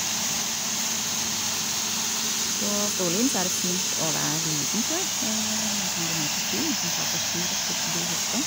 På Storlien så er det fint å være liten, tror jeg, vi kan gå mye på ski, vi kan ta på oss ski rett utforbi hytta.